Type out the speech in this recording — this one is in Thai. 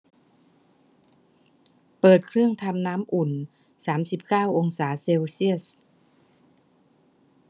เปิดเครื่องทำน้ำอุ่นสามสิบเก้าองศาเซลเซียส